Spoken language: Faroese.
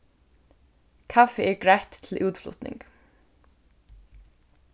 kaffið er greitt til útflutning